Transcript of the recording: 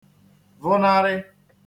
vụnarị